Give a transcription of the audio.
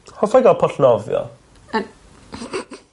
Hoffai ga'l pwll nofio. Yn...